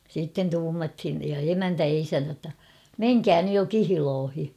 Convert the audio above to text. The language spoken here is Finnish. sitten tuumattiin ja emäntä ja isäntä jotta menkää nyt jo kihloihin